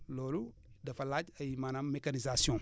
loolu dafa laaj ay maanaam mécanisations